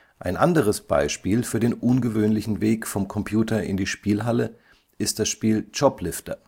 Ein anderes Beispiel für den ungewöhnlichen Weg vom Computer in die Spielhalle ist das Spiel Choplifter